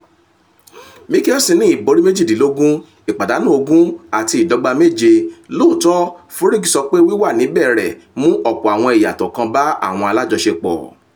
Mickelson ní ìborí 18. ìpàdánù 20 àti ìdọ́gba méje, lọ́ọ̀tọ́ Furyk sọ pé wíwà níbẹ̀ rẹ̀ mú ọ̀pọ̀ àwọn ìyàtọ̀ kan bá àwọn alájọṣepọ̀.